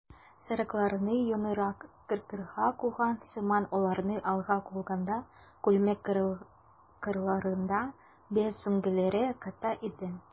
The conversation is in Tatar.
Сарыкларны йоннарын кыркырга куган сыман аларны алга куганда, күлмәк кырларында боз сөңгеләре ката иде.